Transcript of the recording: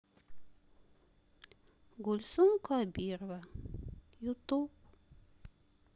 гульсум кабирова ютуб